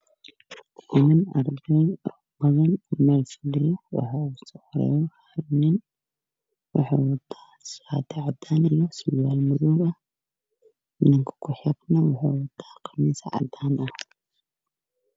Waa niman imtixaan ku jiro oo wataan khamiistii ay shaatiyo oo kuraas u fadhiyaan